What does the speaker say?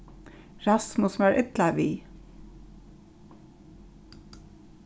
rasmus var illa við